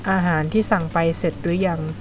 อาหารที่สั่งไปเสร็จหรือยัง